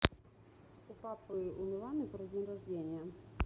у папы у миланы про день рождения